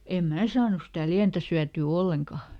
en minä saanut sitä lientä syötyä ollenkaan